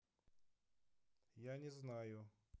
я незнаю